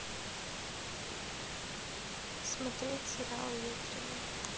смотреть сериал ветреный